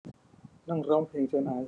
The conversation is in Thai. นั่งร้องเพลงจนไอ